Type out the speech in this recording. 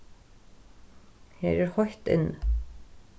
her er heitt inni